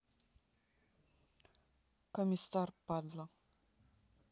комиссар падла